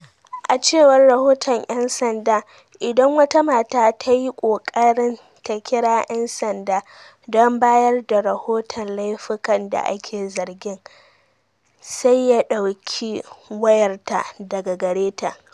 A cewar rahoton 'yan sanda, idan wata mata tayi kokarin ta kira' yan sanda don bayar da rahoton laifukan da ake zargin, sai ya dauki wayarta daga gareta